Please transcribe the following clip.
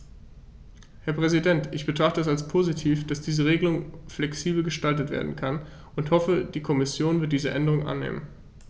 Herr Präsident, ich betrachte es als positiv, dass diese Regelung flexibel gestaltet werden kann und hoffe, die Kommission wird diese Änderung annehmen.